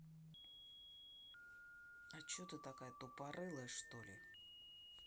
а че ты такая тупорылая что ли